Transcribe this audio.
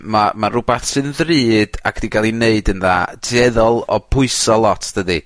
ma' ma' rwbath sydd yn ddrud ac 'di ga'l 'i neud yn dda tueddol o pwyso lot dydi?